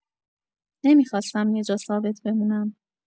نمی‌خواستم یه جا ثابت بمونم.